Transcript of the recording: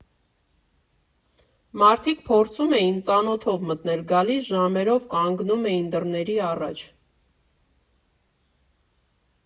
Մարդիկ փորձում էին ծանոթով մտնել, գալիս ժամերով կանգնում էին դռների առաջ։